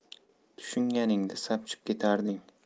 tushunganingda sapchib ketarding